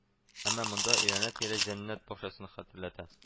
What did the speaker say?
Әмма монда әйләнә-тирә җәннәт бакчасын хәтерләтә